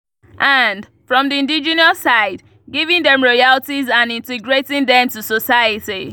And, from the indigenous’ side, giving them royalties and integrating them to society.